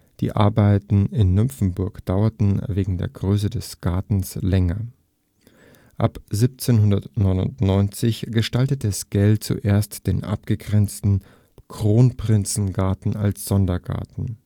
Die Arbeiten in Nymphenburg dauerten wegen der Größe des Gartens länger. Ab 1799 gestaltete Sckell zuerst den abgegrenzten Kronprinzengarten als Sondergarten